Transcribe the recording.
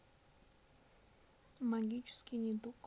магический дудук